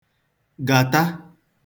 gàta